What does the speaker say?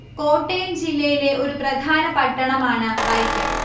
കോട്ടയം ജില്ലയിലെ ഒരു പ്രധാന പട്ടണമാണ് വൈക്കം